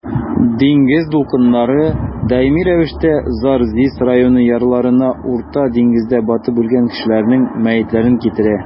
Диңгез дулкыннары даими рәвештә Зарзис районы ярларына Урта диңгездә батып үлгән кешеләрнең мәетләрен китерә.